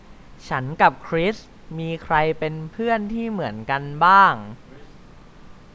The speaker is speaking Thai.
ฉันกับคริสมีใครเป็นเพื่อนที่เหมือนกันบ้าง